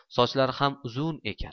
sochlari ham uzun ekan